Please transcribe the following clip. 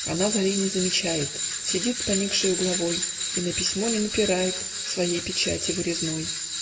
Она зари не замечает, Сидит с поникшею главой И на письмо не напирает Своей печати вырезной.